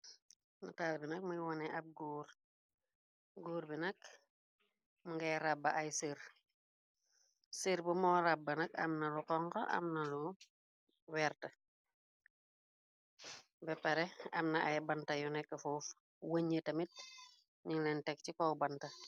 Nataal bi nak muy wone ab góor, goor bi nak mu ngay raaba ay seer, seer bu moo raaba nak amna lu xonxo, amna lu werta, be pare amna ay banta yu nekk fuuf, wëñe tamit nin leen teg ci kow bante.